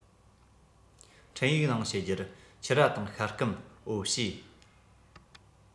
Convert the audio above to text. འཕྲིན ཡིག ནང བཤད རྒྱུར ཕྱུར ར དང ཤ སྐམ འོ ཕྱེ